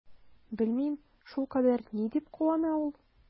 Белмим, шулкадәр ни дип куана ул?